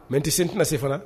Mɛ n tɛsen tɛna se fana